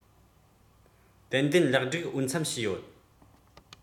ཏན ཏན ལེགས སྒྲིག འོས འཚམས བྱས ཡོད